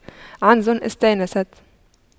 عنز استتيست